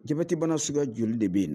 Jatibana siga joli de bɛ yen